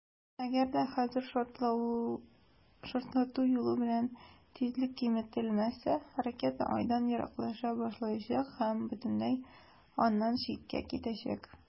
Әгәр дә хәзер шартлату юлы белән тизлек киметелмәсә, ракета Айдан ераклаша башлаячак һәм бөтенләй аннан читкә китәчәк.